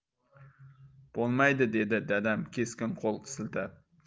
bo'lmaydi dedi dadam keskin qo'l siltab